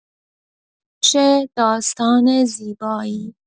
چه داستان زیبایی!